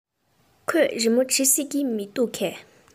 ཁོས རི མོ འབྲི ཤེས ཀྱི མིན འདུག གས